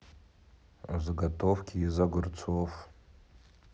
заготовки из огурцов